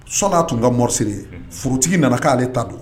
Sola tun ka morisi ye forotigi nana'ale ta don